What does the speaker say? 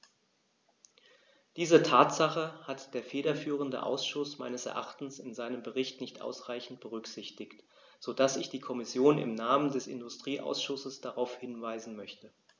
Diese Tatsache hat der federführende Ausschuss meines Erachtens in seinem Bericht nicht ausreichend berücksichtigt, so dass ich die Kommission im Namen des Industrieausschusses darauf hinweisen möchte.